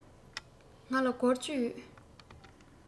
ང ལ སྒོར བཅུ ཡོད